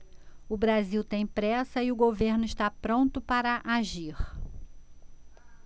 o brasil tem pressa e o governo está pronto para agir